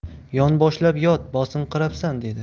yonboshlab yot bosinqirabsan dedi